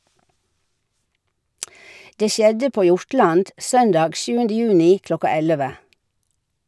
Det skjedde på Hjortland, søndag 7. juni kl. 11.